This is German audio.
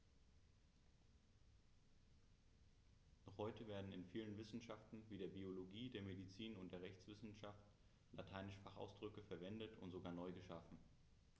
Noch heute werden in vielen Wissenschaften wie der Biologie, der Medizin und der Rechtswissenschaft lateinische Fachausdrücke verwendet und sogar neu geschaffen.